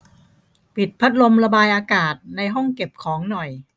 ปิดพัดลมระบายอากาศในห้องเก็บของหน่อย